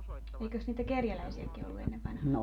eikös niitä kerjäläisiäkin ollut ennen vanhaan